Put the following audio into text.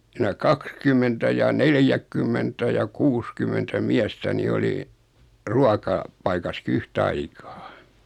sinä kaksikymmentä ja neljäkymmentä ja kuusikymmentä miestä niin oli - ruokapaikassakin yhtaikaa